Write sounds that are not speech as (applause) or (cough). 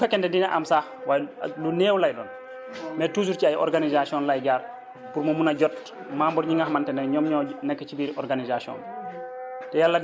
même bu fekkee ne di nga am sax lu néew lay doon mais toujours ci ay organisations lay jaar pour mu mun a jot memebres ñi nga xamante ne ñoom ñoo nekk ci biir organisation bi (noise)